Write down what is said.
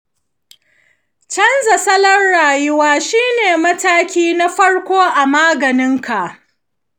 canza salon rayuwa shi ne mataki na farko a maganinka.